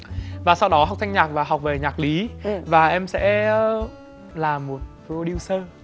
và sau đó học thanh nhạc và học về nhạc lý và em sẽ là một pờ rô điu xơ